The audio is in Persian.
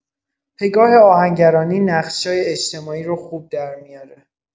پگاه آهنگرانی نقشای اجتماعی رو خوب درمی‌اره.